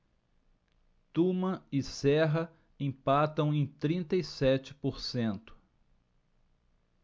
tuma e serra empatam em trinta e sete por cento